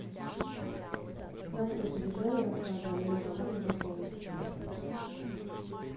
краткое содержание рассказа оленьи рога казакова